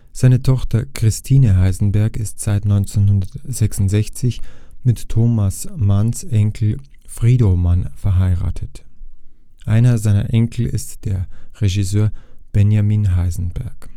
Seine Tochter Christine Heisenberg ist seit 1966 mit Thomas Manns Enkel Frido Mann verheiratet. Einer seiner Enkel ist der Regisseur Benjamin Heisenberg